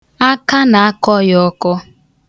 Aka na-akọ ya ọkọ.